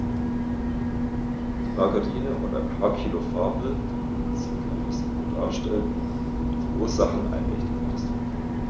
Die Margarine und ein paar Kilo Farbe, die im Prinzip kein Risiko darstellten, verursachten eine echte Katastrophe.